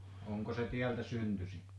onko se täältä syntyisin